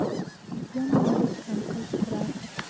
yomonlik ham qilib turardi